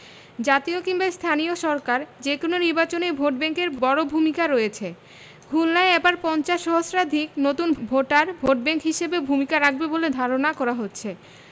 জাতীয় কিংবা স্থানীয় সরকার যেকোনো নির্বাচনেই ভোটব্যাংকের বড় ভূমিকা রয়েছে খুলনায় এবার ৫০ সহস্রাধিক নতুন ভোটার ভোটব্যাংক হিসেবে ভূমিকা রাখবে বলে ধারণা করা হচ্ছে